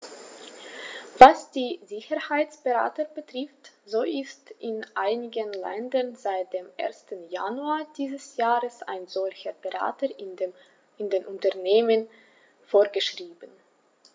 Was die Sicherheitsberater betrifft, so ist in einigen Ländern seit dem 1. Januar dieses Jahres ein solcher Berater in den Unternehmen vorgeschrieben.